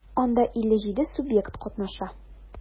Анда 57 субъект катнаша.